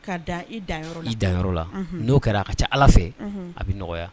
Ka dan i danyɔrɔ la;I danyɔrɔ la; Unhun ;N'o kɛra a ka ca Ala fɛ; Unhun ;Anbɛ nɔgɔya.